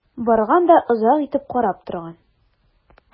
Барган да озак итеп карап торган.